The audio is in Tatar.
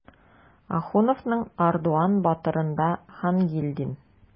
Ахуновның "Ардуан батыр"ында Хангилдин.